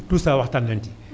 tout ça waxtaan nañ ci